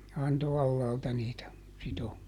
antoi alhaalta niitä -